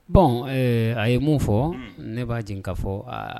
Bon a ye mun fɔ ne ba jigin ka fɔ aa